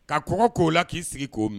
Ka kɔgɔ k'o la k'i sigi k'o min